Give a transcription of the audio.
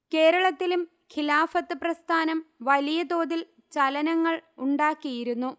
കേരളത്തിലും ഖിലാഫത്ത് പ്രസ്ഥാനം വലിയ തോതിൽ ചലനങ്ങൾ ഉണ്ടാക്കിയിരുന്നു